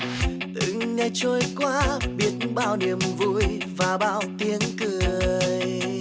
từng ngày trôi qua biết bao niềm vui và bao tiếng cười